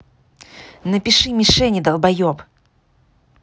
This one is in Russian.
напиши мишени долбоеб